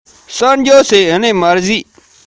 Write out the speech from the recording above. ང ཡིས ཀྱང རྔན པ འདྲ